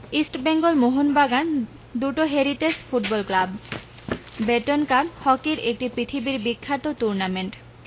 ইস্টবেঙ্গল মোহনবাগান দুটো heritage football club Beighton cup হকীর একটি পৃথিবীর বিখ্যাত টুর্নামেন্ট